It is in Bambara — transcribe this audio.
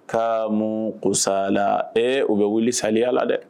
Kaamuu kusaala ee u bɛ wuli saliya la dɛ